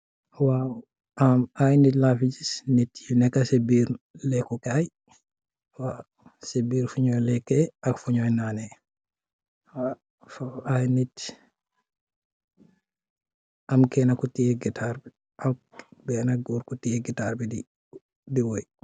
People sitting in a restaurant while a man holding a guitar while singing.